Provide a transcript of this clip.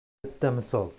bitta misol